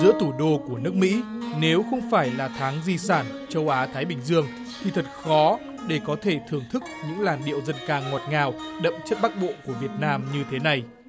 giữa thủ đô của nước mỹ nếu không phải là tháng di sản châu á thái bình dương thì thật khó để có thể thưởng thức những làn điệu dân ca ngọt ngào đậm chất bắc bộ của việt nam như thế này